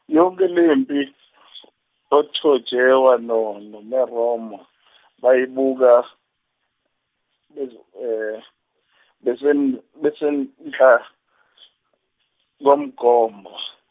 yonke lempi oTajewo no- noMeromo bayibuka bese- besem- besenhla, komgomo.